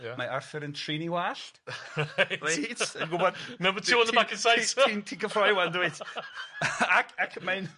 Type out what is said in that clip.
Mae Arthur yn trin 'i wallt. Reit. Reit ti'n gwbod ... Number two on the back and sides ... Ti'n cyffroi ŵan dwyt ac ac mae'n